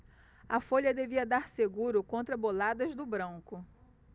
a folha devia dar seguro contra boladas do branco